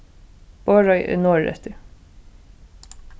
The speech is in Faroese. borðoy er norðureftir